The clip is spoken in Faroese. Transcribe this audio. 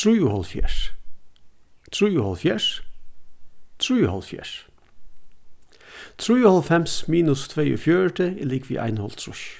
trýoghálvfjerðs trýoghálvfjerðs trýoghálvfjerðs trýoghálvfems minus tveyogfjøruti er ligvið einoghálvtrýss